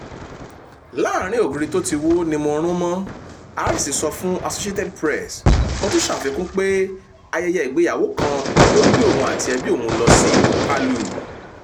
“Láàrin ògiri tó ti wó ni mo rún mọ́” Harris sọ fún Associated Press, ó tún ṣàfikún pé ayẹyẹ ìgbéyàwó kan ló gbé òun àti ẹbí òun wá sí ìlú Palu.